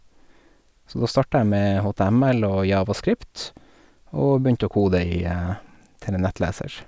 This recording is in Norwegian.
Så da starta jeg med HTML og JavaScript, og begynte å kode i til en nettleser.